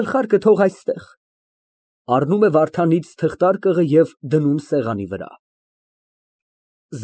Գլխարկը թող այստեղ։ (Առնում է Վարդանից թղթարկղը և դնում սեղանի վրա)։